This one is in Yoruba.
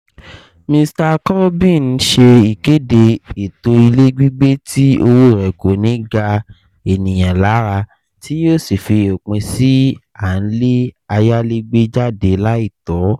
Mr Corbyn ṣe ìkéde èto ilé-gbígbé tí owó rẹ̀ kò ní ga ènìyàn lára, tí yóó sì fí òpin sí à ń lé ayálégbé járe láìtọ́.